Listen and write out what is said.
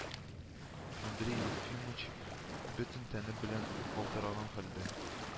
Андрей Ефимыч, бөтен тәне белән калтыраган хәлдә